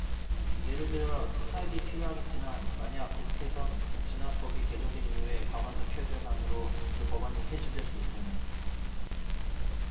예를 들어 타협이 필요하겠지만 만약 국회선진화법이 개정된 이후에 과반수 표결만으로 그 법안이 폐지될 수 있다면